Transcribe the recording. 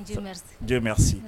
Jɛsi